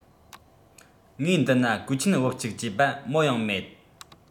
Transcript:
ངའི འདི ན གོས ཆེན བུབས གཅིག བཅས པ མའོ ཡང མེད